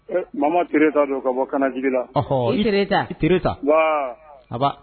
Mama t terikɛ don ka bɔ kana jigi la taa t ta a